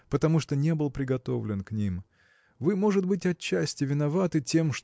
потому что не был приготовлен к ним. Вы может быть отчасти виноваты тем